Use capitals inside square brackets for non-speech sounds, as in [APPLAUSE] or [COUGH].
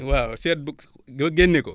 waaw seet ba [HESITATION] ba génne ko